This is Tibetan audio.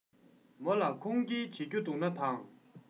མོ ལ ཁུངས སྐྱེལ བྱེད རྒྱུ འདུག ན དང